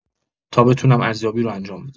تا بتونم ارزیابی رو انجام بدم.